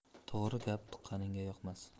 to'g'ri gap tuqqaningga yoqmas